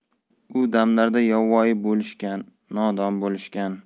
u damlarda yovvoyi bo'lishgan nodon bo'lishgan